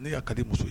Ne y'a ka di muso ye